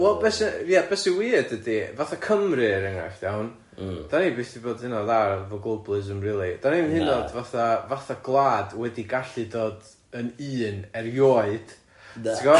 Wel be sy- ie be sy'n weird ydi fatha Cymru er enghraifft iawn? M-hm. 'Dan ni byth di bod hynna'n dda efo globalism rili dan ni'm hyd yn oed fatha fatha gwlad wedi gallu dod yn un erioed, ti'n gwybod?